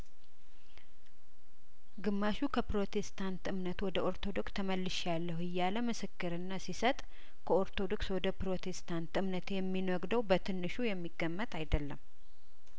ግማሹ ከኘሮቴስታንት እምነት ወደ ኦርቶዶክ ተመልሼ አለሁ እያለ ምስክርነት ሲሰጥ ከኦርቶዶክስ ወደ ኘሮቴስታንት እምነት የሚነጉደው በትንሹ የሚገመት አይደለም